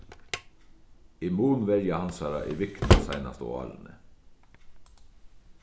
immunverja hansara er viknað seinastu árini